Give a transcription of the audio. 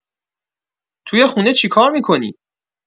توی خونه چی کار می‌کنی؟